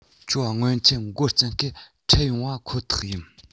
ཁྱོད སྔོན ཆད འགོ རྩོམ སྐབས འཕྲད ཡོང བ ཁོ ཐག ཡིན